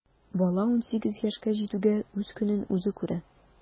Бала унсигез яшькә җитүгә үз көнен үзе күрә.